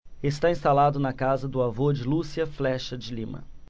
está instalado na casa do avô de lúcia flexa de lima